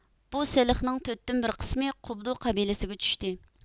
بۇ سېلىقنىڭ تۆتتىن بىر قىسمى قوبدۇ قەبىلىسىگە چۈشتى